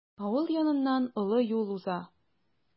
Авыл яныннан олы юл уза.